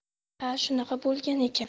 ha shunaqa bo'lgan ekan